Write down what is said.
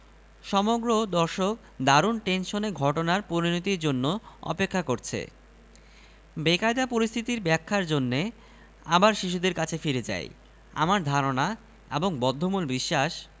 অনেকেই বলেন শিশুরা সত্যবাদী হয় আমার মনে হয় না কথাটা ঠিক তারা সত্যি বলে তখনি যখন কাউকে বিব্রত করার প্রয়োজন হয় ঘটনাটা বলি